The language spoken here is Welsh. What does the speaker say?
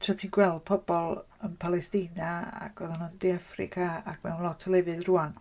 Tra ti'n gweld pobl yn Palisteina ac oedden nhw'n De Affrica ac mewn lot o lefydd rŵan...